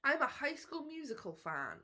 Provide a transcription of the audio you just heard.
I'm a High School Musical fan.